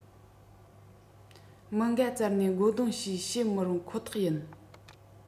མི འགའ བཙལ ནས མགོ སྡུང ཞེས བཤད མི རུང ཁོ ཐག ཡིན